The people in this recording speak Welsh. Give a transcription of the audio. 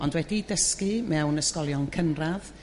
ond wedi'i dysgu mewn ysgolion cynradd